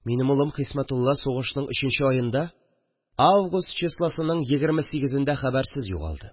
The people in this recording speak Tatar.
Минем улым Хисмәтулла сугышның өченче аенда – август числосының егерме сигезендә хәбәрсез югалды